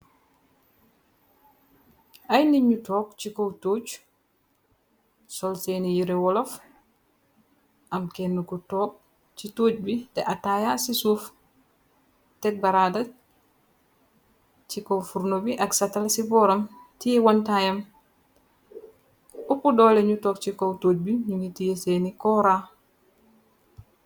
Ay niiñu toog ci kow tooj, sol seeni yire wolof, am kenne ku toog ci tooj bi tee ataayaa ci suuf, teg baraada ci kow furno bi, ak satala ci booram, tiye wantayam, ëppu doole ñu toog ci kow tóoj bi ñu ngi tiye seeni koora.